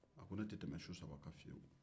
a ko ne tɛ tɛmɛ su saba kan fewu